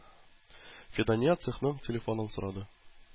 Фидания цехның телефонын сорады.